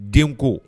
Den ko